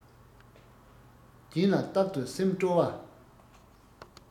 སྦྱིན ལ རྟག ཏུ སེམས སྤྲོ བ